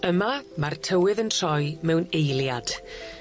Yma ma'r tywydd yn troi mewn eiliad.